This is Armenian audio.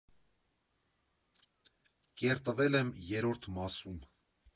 Կերտվել եմ Երրորդ մասում։